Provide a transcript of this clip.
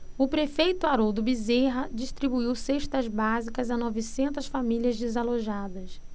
o prefeito haroldo bezerra distribuiu cestas básicas a novecentas famílias desalojadas